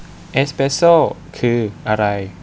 เอสเปสโซ่คืออะไร